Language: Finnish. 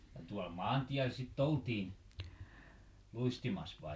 ja tuolla maantiellä sitten oltiin luistimassa vai